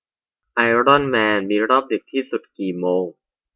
ไอรอนแมนมีรอบดึกที่สุดกี่โมง